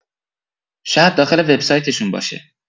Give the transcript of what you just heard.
شاید داخل وبسایتشون باشه.